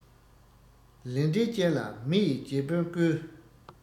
ལས འབྲས ཅན ལ མི ཡི རྗེ དཔོན སྐོས